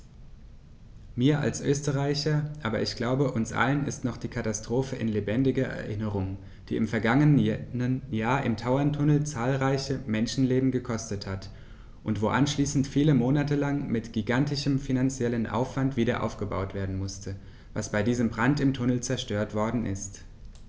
Mir als Österreicher, aber ich glaube, uns allen ist noch die Katastrophe in lebendiger Erinnerung, die im vergangenen Jahr im Tauerntunnel zahlreiche Menschenleben gekostet hat und wo anschließend viele Monate lang mit gigantischem finanziellem Aufwand wiederaufgebaut werden musste, was bei diesem Brand im Tunnel zerstört worden ist.